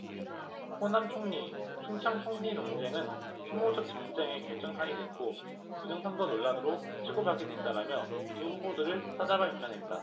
호남총리 충청총리 논쟁은 소모적 정쟁의 결정판이 됐고 부정선거 논란으로 치고받게 됐다라며 두 후보들을 싸잡아 비판했다